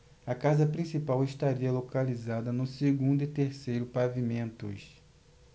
a casa principal estaria localizada no segundo e terceiro pavimentos